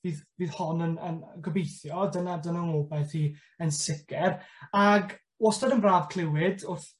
fydd fydd hon yn yn gobithio, dyna dyna'n obaith i yn sicir. Ag wastod yn braf cliwed wrth